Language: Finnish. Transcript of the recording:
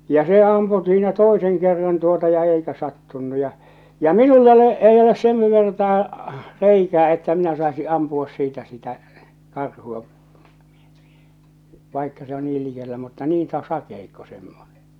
ja se ampui siinä toisen kerran tuota ja eikä sattunut ja ja minulla ole ei ole sen vertaa reikää että minä saisin ampua siitä sitä karhua vaikka se on niin likellä mutta niin - sakeikko semmoinen